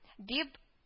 Дип